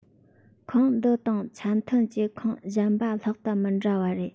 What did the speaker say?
ཁོངས འདི དང ཆ མཐུན གྱི ཁོངས གཞན པ ལྷག ཏུ མི འདྲ བ རེད